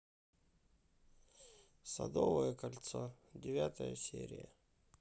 садовое кольцо девятая серия